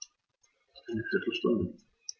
Eine viertel Stunde